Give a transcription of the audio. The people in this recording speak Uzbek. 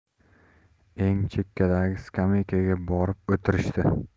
eng chekkadagi skameykaga borib o'tirishdi